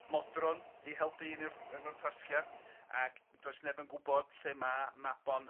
Modron i helpu un yw efo'r tasgia ac does neb yn gwbod lle ma' Mabon